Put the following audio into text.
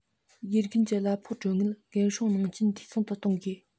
དགེ རྒན གྱི གླ ཕོགས གྲོན དངུལ འགན སྲུང ནང རྐྱེན འཐུས ཚང དུ གཏོང དགོས